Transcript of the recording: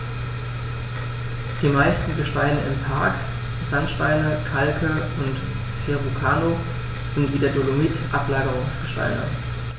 Die meisten Gesteine im Park – Sandsteine, Kalke und Verrucano – sind wie der Dolomit Ablagerungsgesteine.